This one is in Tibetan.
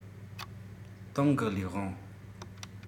ཏང གི ལས དབང